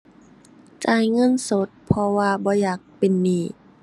จ่ายเงินสด เพราะว่าบ่อยากเป็นหนี้